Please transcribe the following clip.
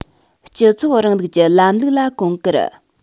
སྤྱི ཚོགས རིང ལུགས ཀྱི ལམ ལུགས ལ གོང བཀུར